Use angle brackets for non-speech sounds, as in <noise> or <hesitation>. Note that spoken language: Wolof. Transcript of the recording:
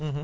<hesitation> <hesitation>